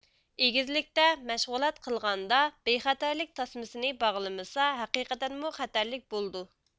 ئېگىزلىكتە مەشغۇلات قىلغاندا بىخەتەرلىك تاسمىسىنى باغلىمىسا ھەقىقەتەنمۇ خەتەرلىك بولىدۇ